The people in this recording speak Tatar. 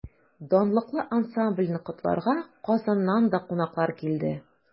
Данлыклы ансамбльне котларга Казаннан да кунаклар килде.